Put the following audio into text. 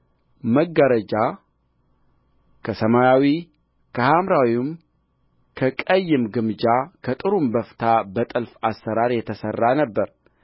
መጋረጃ ከሰማያዊ ከሐምራዊም ከቀይም ግምጃ ከጥሩም በፍታ በጥልፍ አሠራር የተሠራ ነበረ